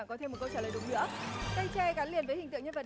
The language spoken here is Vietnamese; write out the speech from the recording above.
có thêm một câu trả lời đúng nữa cây tre gắn liền với hình tượng nhân vật